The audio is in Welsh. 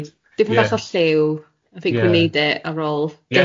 Yndi, dipyn bach o lliw fin gwneud e ar ôl